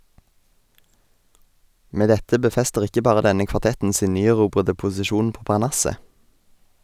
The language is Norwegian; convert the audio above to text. Med dette befester ikke bare denne kvartetten sin nyerobrede posisjon på parnasset.